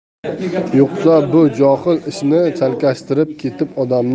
yo'qsa bu johil ishni chalkashtirib ketib